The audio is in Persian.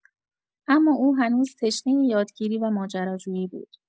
اما او هنوز تشنۀ یادگیری و ماجراجویی بود.